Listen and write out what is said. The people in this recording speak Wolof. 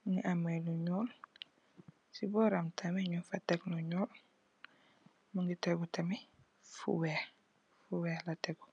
mongi ame lu nuul si boram tamit nyung fa tek lu nuul si boram tamit nyung fa tek lu nuul mongi tegu tamit fu weex fu weex la tegu.